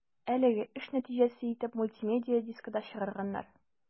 Әлеге эш нәтиҗәсе итеп мультимедия дискы да чыгарганнар.